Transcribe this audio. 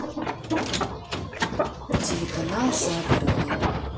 телеканал загородный